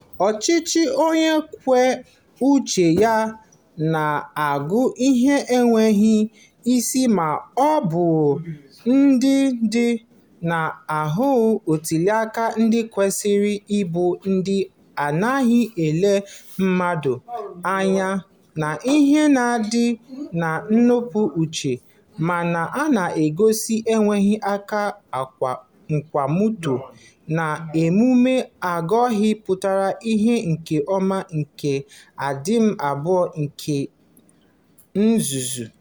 Ọchịchị onye kwuo uche ya na-aghọ ihe enweghị isi ma ọ bụrụ na ndị na-ahazi ntụliaka ndị kwesịrị ịbụ ndị na-adịghị ele mmadụ anya n'ihu na ndị na-anọpụ iche, mana ha na-egosi enweghị aka nkwụmọtọ, na-eme omume aghụghọ pụtara ihe nke ọma, nke adịm abụọ na nke nzuzu.